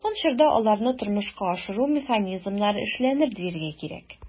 Якын чорда аларны тормышка ашыру механизмнары эшләнер, дияргә кирәк.